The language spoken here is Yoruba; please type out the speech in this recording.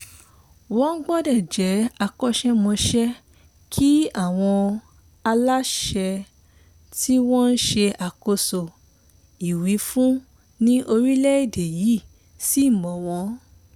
Wọ́n gbọdọ̀ jẹ́ akọ́ṣẹ́mọṣẹ́ kí àwọn aláṣẹ tí wọ́n ń ṣe àkóso ìwífún ní orílẹ̀-èdè yìí sì mọ̀ wọ́n.